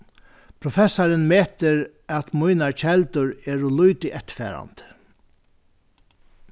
professarin metir at mínar keldur eru lítið eftirfarandi